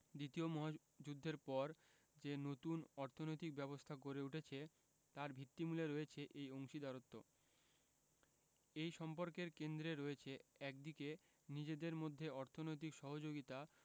দ্বিতীয় মহাযুদ্ধের পর যে নতুন অর্থনৈতিক ব্যবস্থা গড়ে উঠেছে তার ভিত্তিমূলে রয়েছে এই অংশীদারত্ব এই সম্পর্কের কেন্দ্রে রয়েছে একদিকে নিজেদের মধ্যে অর্থনৈতিক সহযোগিতা